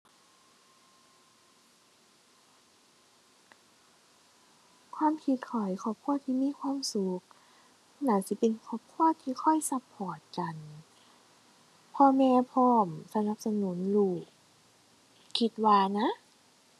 ความคิดข้อย ครอบครัวที่มีความสุขน่าสิเป็นครอบครัวที่คอยซัปพอร์ตกัน พ่อแม่พร้อมสนับสนุนลูก คิดว่านะ